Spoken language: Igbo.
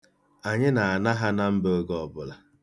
Anyị na-ana ha na mbe oge ọbula.